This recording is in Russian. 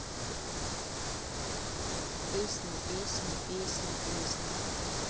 песни песни песни песни